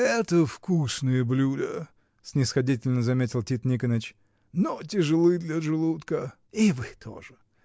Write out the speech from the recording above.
— Это вкусные блюда, — снисходительно заметил Тит Никоныч, — но тяжелы для желудка. — И вы тоже!